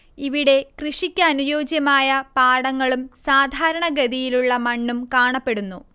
ഇവിടെ കൃഷിക്കനുയോജ്യമായ പാടങ്ങളും സാധാരണ ഗതിയിലുള്ള മണ്ണും കാണപ്പെടുന്നു